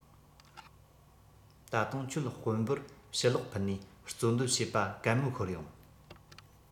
ད དུང ཁྱོད དཔོན པོར ཞུ ལོག ཕུལ ནས རྩོད འདོད བྱེད པ གད མོ ཤོར ཡོང